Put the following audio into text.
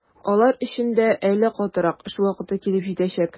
Алар өчен дә әле катырак эш вакыты килеп җитәчәк.